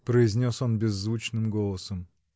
-- произнес он беззвучным голосом.